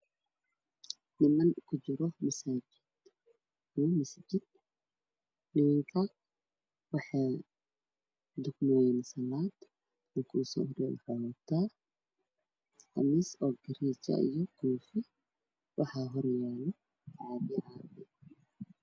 Waa niman tukanaayo salaad waxa ay wataan khamiisyo cadaan ciidamada guduud